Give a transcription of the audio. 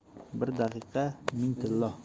bir daqiqa ming tillo